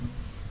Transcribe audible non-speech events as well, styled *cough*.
*hesitation* *hesitation*